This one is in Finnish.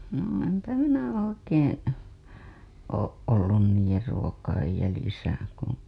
no enpä minä oikein ole ollut niiden ruokien jäljissä